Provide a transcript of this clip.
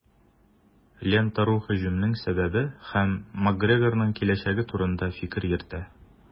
"лента.ру" һөҗүмнең сәбәбе һәм макгрегорның киләчәге турында фикер йөртә.